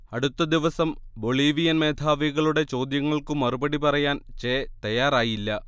അടുത്ത ദിവസം ബൊളീവിയൻ മേധാവികളുടെ ചോദ്യങ്ങൾക്കു മറുപടി പറയാൻ ചെ തയ്യാറായില്ല